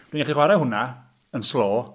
Dwi'n gallu chwarae hwnna yn slo.